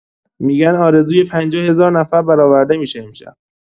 می‌گن آرزوی ۵۰ هزار نفر برآورده می‌شه امشب!